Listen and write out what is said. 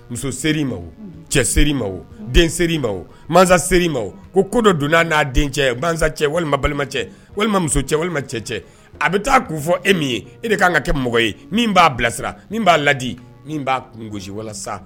Muso seri ma cɛ seri ma den maseri ma ko ko dɔ donna n'a n'a den cɛ cɛ walima balima cɛ walima cɛ walima cɛ cɛ a bɛ taa k'u fɔ e min ye e de ka kan ka kɛ mɔgɔ ye min b'a bilasira min b'a ladi min b'a kun gosi walasa